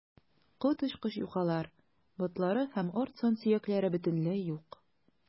Коточкыч юкалар, ботлары һәм арт сан сөякләре бөтенләй юк.